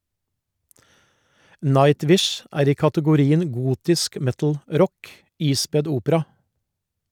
Nightwish er i kategorien gotisk metal-rock, ispedd opera.